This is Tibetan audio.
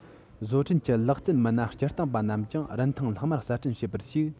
བཟོ སྐྲུན གྱི ལག རྩལ མི སྣ སྤྱིར བཏང པ རྣམས ཀྱང རིན ཐང ལྷག མ གསར སྐྲུན བྱེད པར ཞུགས